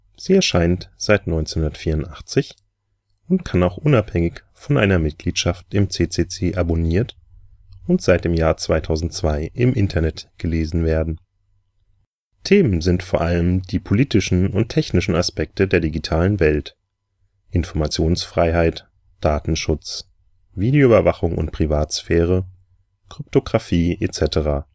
Sie erscheint seit 1984 und kann auch unabhängig von einer Mitgliedschaft im CCC abonniert und seit dem Jahr 2002 im Internet gelesen werden. Themen sind vor allem die politischen und technischen Aspekte der digitalen Welt (Informationsfreiheit, Datenschutz, Videoüberwachung und Privatsphäre, Kryptographie etc.